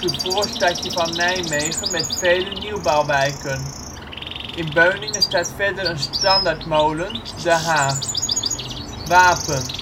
voorstadje van Nijmegen met vele nieuwbouwwijken. In Beuningen staat verder een standerdmolen, De Haag. 80px